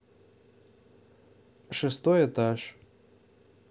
шестой этаж